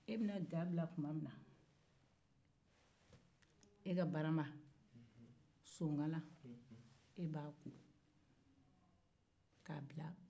e bɛna ga bila tuma min na i b'i ka barama nii sonkala ko